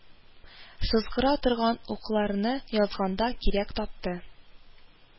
´сызгыра торган укларªны язганда кирәк тапты